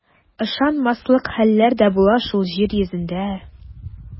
Ышанмаслык хәлләр дә була шул җир йөзендә.